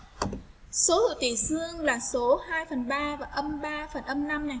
số hữu tỉ phương là số và âm phần âm